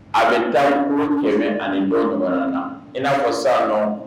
A bɛ taa ko kɛmɛ ani dɔ tuma na i n'a fɔ sa nɔ